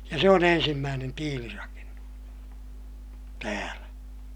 ja se on ensimmäinen tiilirakennus täällä